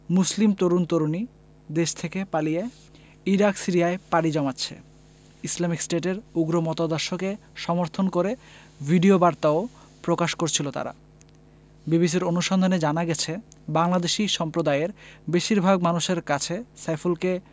মুসলিম তরুণ তরুণী দেশ থেকে পালিয়ে ইরাক সিরিয়ায় পাড়ি জমাচ্ছে ইসলামিক স্টেটের উগ্র মতাদর্শকে সমর্থন করে ভিডিওবার্তাও প্রকাশ করছিল তারা বিবিসির অনুসন্ধানে জানা গেছে বাংলাদেশি সম্প্রদায়ের বেশির ভাগ মানুষের কাছে সাইফুলকে